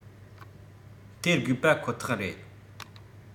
སྟེར དགོས པ ཁོ ཐག རེད